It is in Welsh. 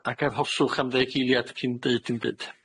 Ag arhoswch am ddeg eiliad cyn deud dim byd.